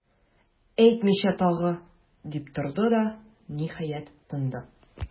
Әйтмичә тагы,- дип торды да, ниһаять, тынды.